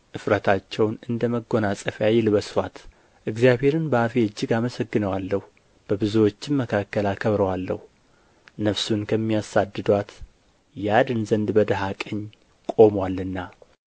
እፍረታቸውን እንደ መጐናጸፊያ ይልበሱአት እግዚአብሔርን በአፌ እጅግ አመሰግነዋለሁ በብዙዎችም መካከል አከብረዋለሁ ነፍሱን ከሚያሳድዱአት ያድን ዘንድ በድሀ ቀኝ ቆሞአልና